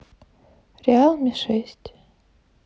реалми шесть